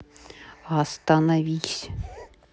остановись